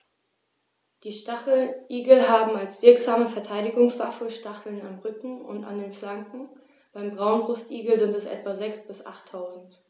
Die Stacheligel haben als wirksame Verteidigungswaffe Stacheln am Rücken und an den Flanken (beim Braunbrustigel sind es etwa sechs- bis achttausend).